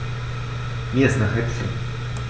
Mir ist nach Häppchen.